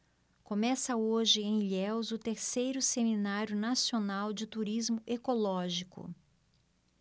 começa hoje em ilhéus o terceiro seminário nacional de turismo ecológico